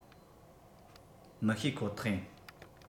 མི ཤེས ཁོ ཐག ཡིན